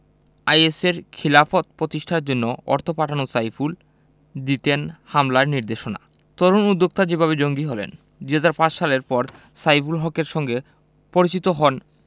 আইএসের খিলাফত প্রতিষ্ঠার জন্য অর্থ পাঠানো সাইফুল দিতেন হামলার নির্দেশনা তরুণ উদ্যোক্তা যেভাবে জঙ্গি হলেন ২০০৫ সালের পর সাইফুল হকের সঙ্গে পরিচিত হন